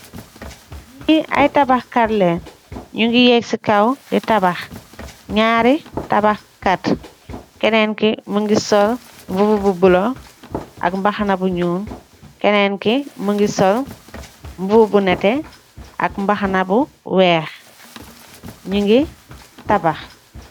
Nyi ay tahax kat ken nyui yeeg si kaw di tabax naari tabax kat kenen ki mog sol mbuba bu bulo ak mbahana bu nuul kenen ki mogi sol mbuba bu neteh ak mbahana weex nyugi tabax.